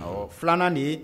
Ɔ filanan nin